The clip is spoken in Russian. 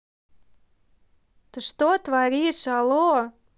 ты что творишь алло